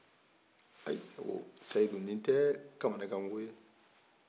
ayise ko seyidu ni tɛ kamanagan ko ye